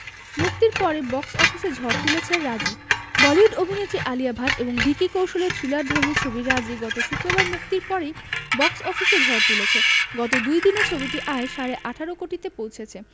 মুক্তির পরই বক্স অফিসে ঝড় তুলেছে রাজি বলিউড অভিনেত্রী আলিয়া ভাট এবং ভিকি কৌশলের থ্রিলারধর্মী ছবি রাজী গত শুক্রবার মুক্তির পরই বক্স অফিসে ঝড় তুলেছে গত দুই দিনে ছবিটির আয় সাড়ে ১৮ কোটিতে পৌঁছেছে